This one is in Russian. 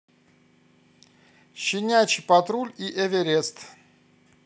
щенячий патруль и эверест